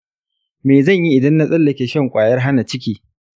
me zan yi idan na tsallake shan kwayar hana ciki?